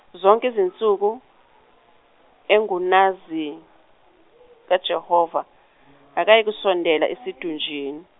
zonke izinsuku, engunazi- kaJehova, akayikusondela esidunjini.